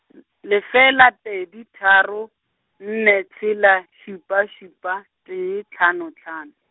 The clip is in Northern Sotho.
l- lefela pedi tharo, nne tshela, šupa šupa, tee, tlhano tlhano.